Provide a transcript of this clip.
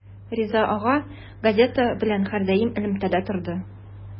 Риза ага газета белән һәрдаим элемтәдә торды.